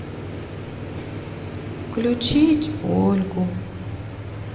включить ольгу